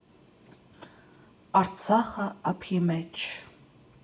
Արցախը ափի մեջ։